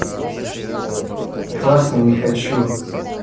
классный не хочу